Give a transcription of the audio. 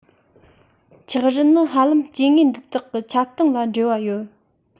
འཁྱགས རི ནི ཧ ལམ སྐྱེ དངོས འདི དག གི ཁྱབ སྟངས ལ འབྲེལ བ ཡོད